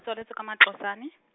tsaletswe kwa Matlosane.